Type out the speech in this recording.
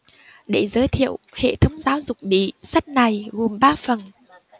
để giới thiệu hệ thống giáo dục bỉ sách này gồm ba phần